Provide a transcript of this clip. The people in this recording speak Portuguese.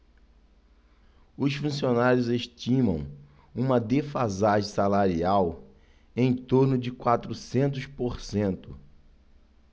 os funcionários estimam uma defasagem salarial em torno de quatrocentos por cento